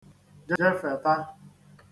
jefèta